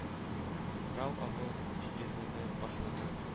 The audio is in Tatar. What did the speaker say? Сухрау авыл җирлеге башлыгы